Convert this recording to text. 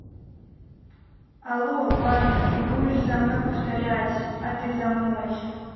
алло ладно ты будешь за мной повторять а ты за мной